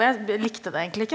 jeg likte det egentlig ikke.